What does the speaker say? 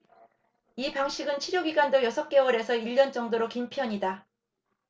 이 방식은 치료 기간도 여섯 개월 에서 일 년 정도로 긴 편이다